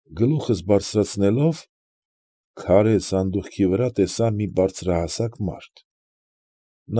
Գլուխս բարձրացնելով՝ քարե սանդուղքի վրա տեսա մի բարձրահասակ մարդ։